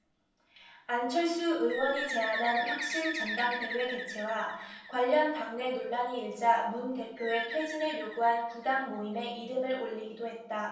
안철수 의원이 제안한 혁신 전당대회 개최와 관련 당내 논란이 일자 문 대표의 퇴진을 요구한 구당모임에 이름을 올리기도 했다